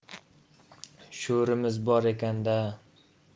sho'rimiz bor ekan da